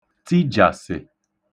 tijàsị̀